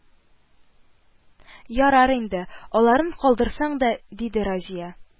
Ярар инде, аларын калдырсаң да, диде Разия